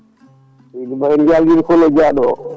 seydi Ba en *